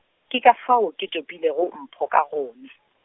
ke ka fao ke topilego Mpho ka gon- .